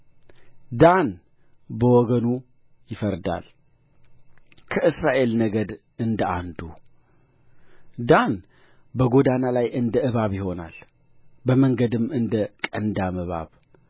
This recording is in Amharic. ዳን በወገኑ ይፈርዳል ከእስራኤል ነገድ እንደ አንዱ ዳን በጐዳና ላይ እንደ እባብ ይሆናል በመንገድም እንደ ቀንዳም እባብ